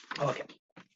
Oce.